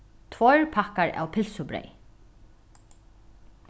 tveir pakkar av pylsubreyð